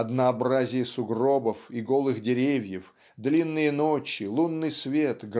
"однообразие сугробов и голых деревьев длинные ночи лунный свет